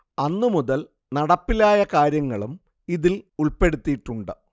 അന്നുമുതൽ നടപ്പിലായ കാര്യങ്ങളും ഇതിൽ ഉൾപ്പെടുത്തിയിട്ടുണ്ട്